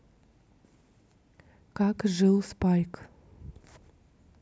как жил спайк